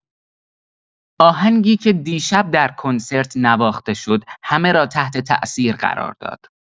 آهنگی که دیشب در کنسرت نواخته شد، همه را تحت‌تأثیر قرار داد.